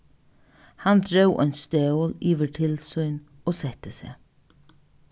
hann dró ein stól yvir til sín og setti seg